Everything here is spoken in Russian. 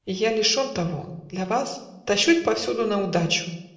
И я лишен того: для вас Тащусь повсюду наудачу